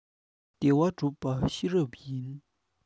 བདེ བ བསྒྲུབ པ ཤེས རབ ཡིན